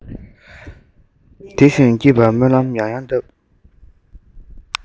བདེ ཞིང སྐྱིད པར སྨོན ལམ ཡང ཡང བཏབ